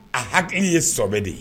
A hakili ye sobɛ de ye